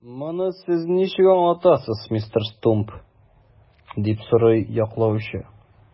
Моны сез ничек аңлатасыз, мистер Стумп? - дип сорый яклаучы.